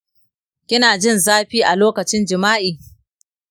kina jin zafi a lokacin jima’i?